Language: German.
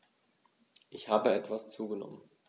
Ich habe etwas zugenommen